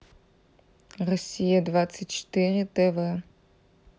россия двадцать четыре тв